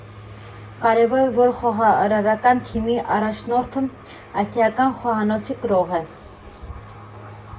Կարևոր է, որ խոհարարական թիմի առաջնորդորդը ասիական խոհանոցի կրող է։